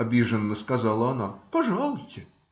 - обиженно сказала она. - Пожалуйте.